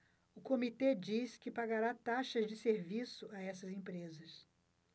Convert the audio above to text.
o comitê diz que pagará taxas de serviço a estas empresas